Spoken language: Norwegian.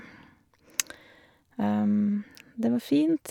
Det var fint.